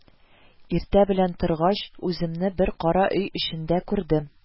Иртә белән торгач, үземне бер кара өй эчендә күрдем